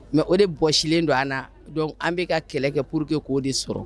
Mɛ o de bɔsilen don an na dɔn an bɛka ka kɛlɛ kɛ pur que k'o de sɔrɔ